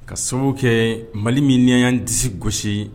Ka sababu kɛ mali min ni disi gosisi